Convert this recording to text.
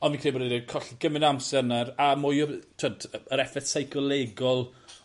On' credu colli gymyn' o amser nawr a mwy o f- t'wod y yr effeth seicolegol